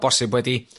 bosib wedi